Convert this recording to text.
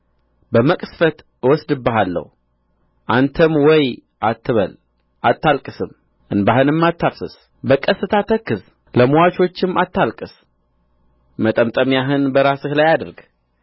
በመቅሠፍት እወስድብሃለሁ አንተም ወይ አትበል አታልቅስም እንባህንም አታፍስስ በቀስታ ተክዝ ለምዋቾችም አታልቅስ መጠምጠሚያህን በራስህ ላይ አድርግ